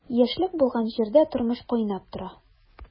Яшьлек булган җирдә тормыш кайнап тора.